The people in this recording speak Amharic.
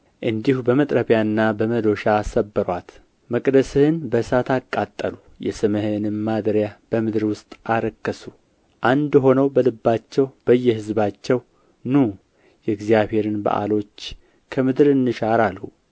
እንዲሁ በመጥረቢያና በመዶሻ ሰበሩአት መቅደስህን በእሳት አቃጠሉ የስምህንም ማደሪያ በምድር ውስጥ አረከሱ አንድ ሆነው በልባቸው በየሕዝባቸው ኑ የእግዚአብሔርን በዓሎች ከምድር እንሻር አሉ